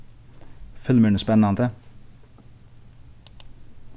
filmurin er spennandi